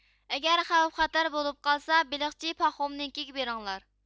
ئەگەر خەۋپ خەتەر بولۇپ قالسا بېلىقچى پاخومنىڭكىگە بېرىڭلار